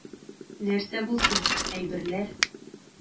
Нәрсә булсын, әйберләр.